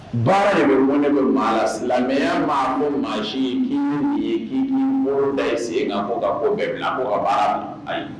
Baara de bɛ mɔn ne bɛ maa silamɛya maa ko maa ye' ye kin mori ta ye sen kan ko ka ko bɛɛ bila ko ka baara a ye